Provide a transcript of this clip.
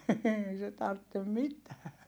ei se tarvitse mitään